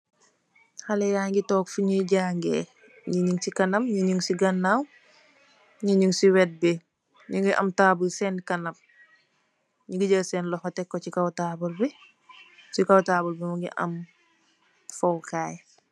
Xalèh ya ngi tóóg fi ñii jangèè ñii ngi ci Kanam ni ngi ci ganaw ñii ngi ci wet bi ñu ngi tabull sèèn kanam, ñi ngi jél sèèn loxoyi tek ko ci kaw tabull bi kaw tabull bi ci kaw tabull bi mugii am foyu Kay.